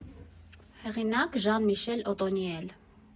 Հեղինակ՝ Ժան֊Միշել Օտոնիել։